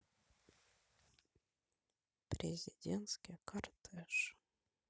президентский кортеж